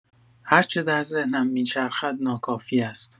هر چه در ذهنم می‌چرخد، ناکافی است.